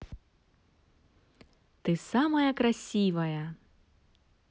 ты самая красивая